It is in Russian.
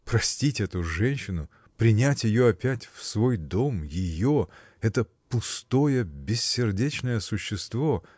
Простить эту женщину, принять ее опять в свой дом, ее, это пустое, бессердечное существо!